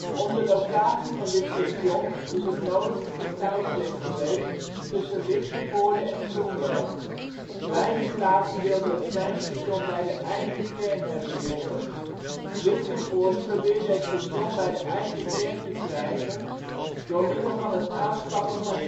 Om de locatie van dit station is het nodige getouwtrek geweest tussen Lichtenvoorde en Groenlo. Beide plaatsen wilden het treinstation bij de eigen kern hebben liggen. Lichtenvoorde probeerde het station bij de eigen kern te krijgen door middel van het aanschaffen van